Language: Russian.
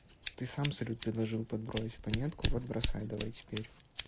ты сам салют предложил подбрось монетку вот бросай давай теперь